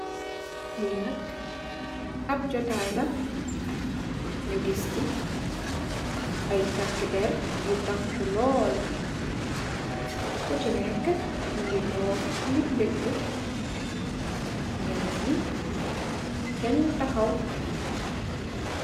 Lii nak, ab jotaay la, ñu gis ci, ay takkë der yu taaku lool. Ku ci neekë, mu ngi toog ngir deglu. Ñeenë ñi,d ñu taxaw.